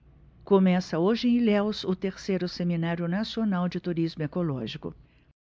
começa hoje em ilhéus o terceiro seminário nacional de turismo ecológico